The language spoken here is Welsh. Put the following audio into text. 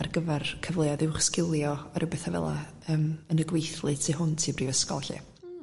ar gyfar cyfleodd uwch sgilio a ryw betha fela yym yn y gweithly tu hwnt i'r Brifysgol 'llu.